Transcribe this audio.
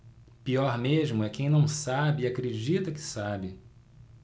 pior mesmo é quem não sabe e acredita que sabe